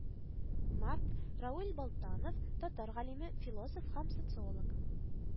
Март – равил балтанов, татар галиме, философ һәм социолог